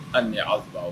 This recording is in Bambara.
Hali aw